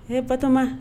H bama